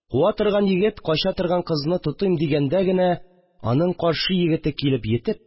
Куа торган егет кача торган кызны тотыйм дигәндә генә, аның каршы егете килеп йитеп